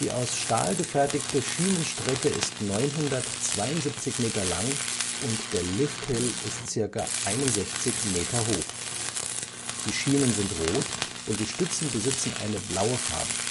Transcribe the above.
aus Stahl gefertigte Schienenstrecke ist 972 Meter lang und der Lifthill ist ca. 61 Meter hoch. Die Schienen sind rot und die Stützen besitzen eine blaue Farbe